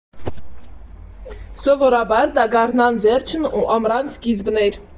֊ Սովորաբար դա գարնան վերջն ու ամռան սկիզբն էր։